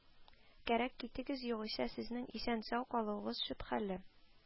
Кәрәк китегез, югыйсә сезнең исән-сау калуыгыз шөбһәле